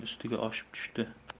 ustiga oshib tushdi